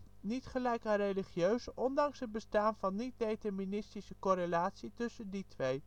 gelijk aan religieus, ondanks het bestaan van niet-deterministische correlatie tussen die twee